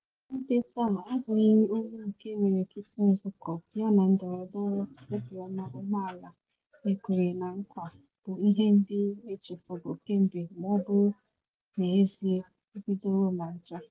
Na mwute taa, ọ bụghị olu nke imirikiti nzụkọ yana ndọrọndọrọ “obi ọma, ume ala” ekwere na nkwa bụ ihe ndị echefugoro kemgbe ma ọ bụrụ, n’ezie, o bidoro ma ncha.